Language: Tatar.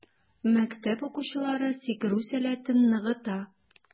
Мәктәп укучылары сикерү сәләтен ныгыта.